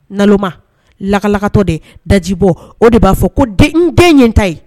Naloma lakalakatɔ dɛ dajibɔ o de b'a fɔ ko den n den ɲe n ta ye